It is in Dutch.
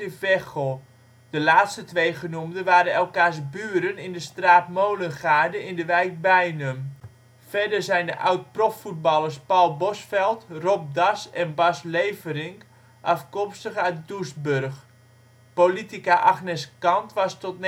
Veghel) - de laatste twee genoemden waren elkaars buren in de straat Molengaarde in de wijk Beinum. Verder zijn de oud-profvoetballers Paul Bosvelt, Rob Das en Bas Leferink afkomstig uit Doesburg. Politica Agnes Kant was tot